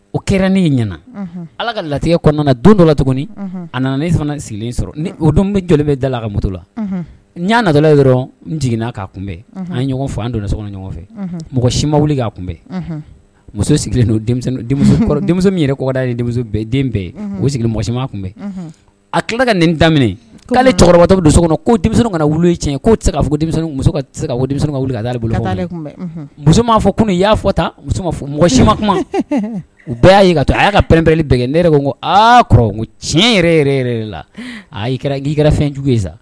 O kɛrarɛn ne ɲɛna ala ka latigɛ kɔnɔna don dɔ la tuguni a nana ne fana sigilen sɔrɔ o don bɛ jɔ bɛ da la ka musoto la n'a na jiginna'a kunbɛn an ɲɔgɔn fɔ an donna sokɔnɔ ɲɔgɔn fɛ mɔgɔ sima wuli k'a kunbɛn muso sigilen min yɛrɛ kɔda ye bɛɛ u mɔgɔsima kun a tila ka nin daminɛ'ale cɛkɔrɔbatɔ don so kɔnɔ ko denmisɛn kana wulu tiɲɛ' tɛ se ka fɔ ka wuli ka daale bolo tan muso'a fɔ kun y'a fɔ ta mɔgɔ sima kuma u bɛɛ y' y' ka to a y'a ka prɛnpɛere bɛ kɛ ne yɛrɛ ko ko kɔrɔ tiɲɛ yɛrɛ yɛrɛ la'i yɛrɛ fɛn jugu ye sa